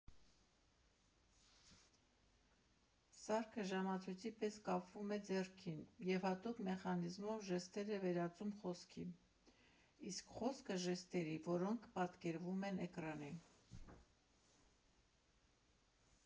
Սարքը ժամացույցի պես կապվում է ձեռքին և հատուկ մեխանիզմով ժեստերը վերածում խոսքի, իսկ խոսքը՝ ժեստերի, որոնք պատկերվում են էկրանին։